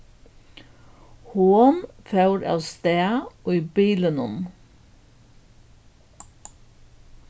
hon fór avstað í bilinum